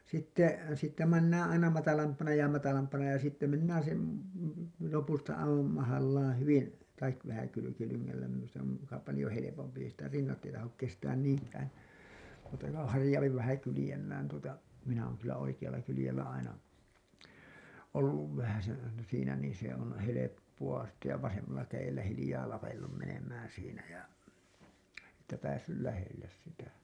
sitten siitä mennään aina matalampana ja matalampana ja sitten mennään sen lopusta aivan mahallaan hyvin tai vähän kylkilyngällä minusta se on muka paljon helpompi ei sitä rinnat ei tahdo kestää niinkään mutta kun harjaantuu vähän kyljellään tuota minä olen kyllä oikealla kyljellä aina ollut vähäsen aina siinä niin se on helppoa sitten ja vasemmalla kädellä hiljaa lapellut menemään siinä ja että päässyt lähelle sitä